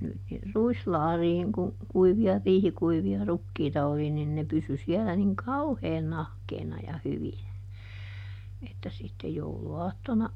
nyt niin ruislaariin kun kuivia riihikuivia rukiita oli niin ne pysyi siellä niin kauhean nahkeana ja hyvinä että sitten jouluaattona